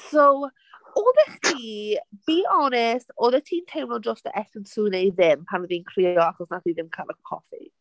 So, oeddech chdi, be honest, oeddet ti'n teimlo drosto Ekin Su neu ddim pan oedd hi'n crio achos wnaeth hi ddim cael y coffi?